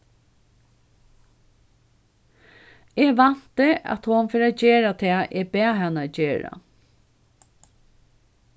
eg vænti at hon fer at gera tað eg bað hana gera